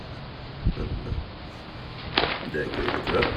Men det er gøy likevel.